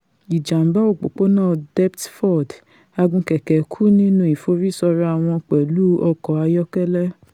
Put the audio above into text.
Ìjàm̀bá òpópónà Deptford: Agunkẹ̀kẹ́ kú nínú ìforísọrawọn pẹ̀lú ọkọ ayọ́kẹ́lẹ́